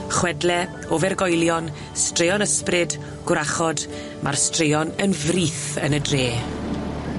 Chwedle, ofergoelion straeon ysbryd gwrachod ma'r straeon yn frith yn y dre.